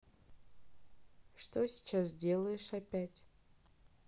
что сейчас сделаешь опять